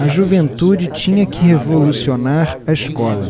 a juventude tinha que revolucionar a escola